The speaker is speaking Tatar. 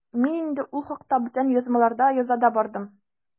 Мин инде ул хакта бүтән язмаларда яза да бардым.